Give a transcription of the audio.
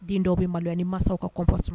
Den dɔw bɛ maloya ni mansaw ka comportement